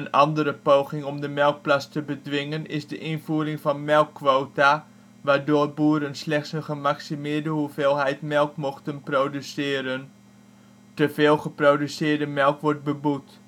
andere poging om de melkplas te bedwingen is de invoering van melkquota, waardoor boeren slechts een gemaximeerde hoeveelheid melk mogen produceren. Teveel geproduceerde melk wordt beboet